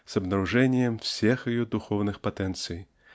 с обнаружением всех ее духовных потенций